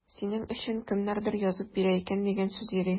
Синең өчен кемнәрдер язып бирә икән дигән сүз йөри.